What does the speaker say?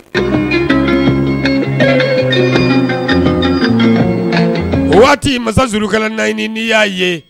O waati masa Zulukaranahini n'i y'a ye